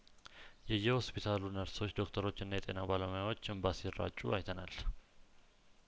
የየሆስፒታሉ ነርሶች ዶክተሮችና የጤና ባለሙያዎች እምባ ሲራጩ አይተናል